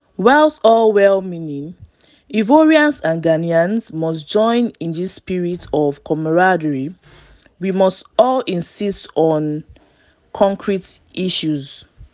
Whilst all well-meaning Ivorians and Ghanaians must join in this spirit of camaraderie we must all insist on concrete issues